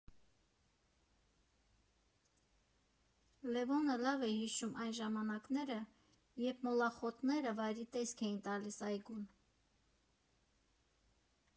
Լևոնը լավ է հիշում այն ժամանակները, երբ մոլախոտները վայրի տեսք էին տալիս այգուն։